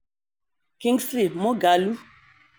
Kingsley Moghalu